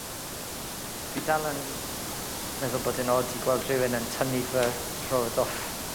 Dwi dal yn meddwl bod e'n od i gweld rhywun yn tynnu fy nhrod off.